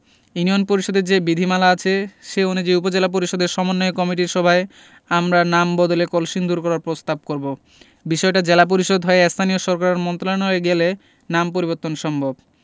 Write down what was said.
union পরিষদের যে বিধিমালা আছে সে অনুযায়ী উপজেলা পরিষদের সমন্বয় কমিটির সভায় আমরা নাম বদলে কলসিন্দুর করার প্রস্তাব করব বিষয়টা জেলা পরিষদ হয়ে স্থানীয় সরকার মন্ত্রণালয়ে গেলে নাম পরিবর্তন সম্ভব